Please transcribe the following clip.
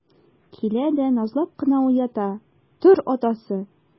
Килә дә назлап кына уята: - Тор, атасы!